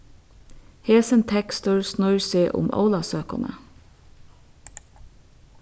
hesin tekstur snýr seg um ólavsøkuna